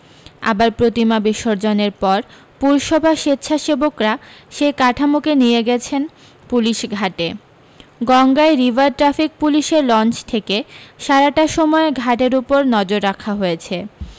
আবার প্রতিমা বিসর্জনের পর পুরসভার স্বেচ্ছাসেবকরা সেই কাঠামোকে নিয়ে গেছেন পুলিশ ঘাটে গঙ্গায় রিভার ট্রাফিক পুলিশের লঞ্চ থেকে সারাটা সময় ঘাটের উপর নজর রাখা হয়েছে